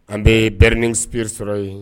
An bɛ Burning Spear sɔrɔ ye